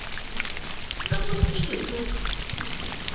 запусти ютуб